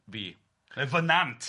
Na fynnant.